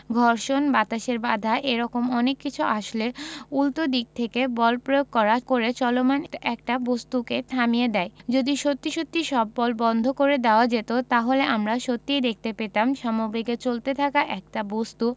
ঘর্ষণ বাতাসের বাধা এ রকম অনেক কিছু আসলে উল্টো দিক থেকে বল প্রয়োগ করে চলমান একটা বস্তুকে থামিয়ে দেয় যদি সত্যি সত্যি সব বল বন্ধ করে দেওয়া যেত তাহলে আমরা সত্যিই দেখতে পেতাম সমবেগে চলতে থাকা একটা বস্তু